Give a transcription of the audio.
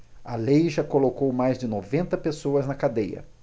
a lei já colocou mais de noventa pessoas na cadeia